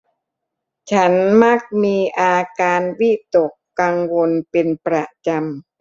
ฉันมักมีอาการวิตกกังวลเป็นประจำ